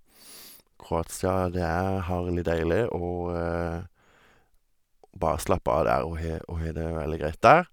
Kroatia, det er hærle deilig, å å bare slappe av der og ha og ha det veldig greit der.